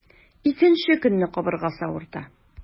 Икенче көнне кабыргасы авырта.